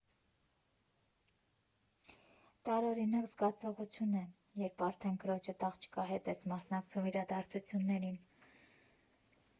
Տարօրինակ զգացողություն է, երբ արդեն քրոջդ աղջկա հետ ես մասնակցում իրադարձություններին։